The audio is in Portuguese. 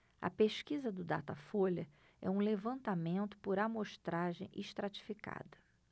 a pesquisa do datafolha é um levantamento por amostragem estratificada